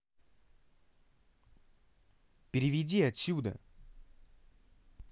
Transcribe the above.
переведи отсюда